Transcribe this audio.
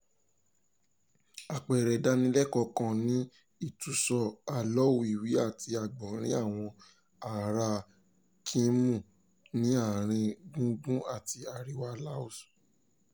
Àpẹẹrẹ ìdánilẹ́kọ̀ọ́ kan ni ìtúnsọ àlọ́ Òwìwí àti Àgbọ̀nrín àwọn aráa Kmhmu ní àárín gbùngbùn àti àríwá Laos.